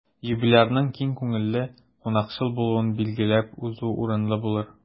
Юбилярның киң күңелле, кунакчыл булуын билгеләп узу урынлы булыр.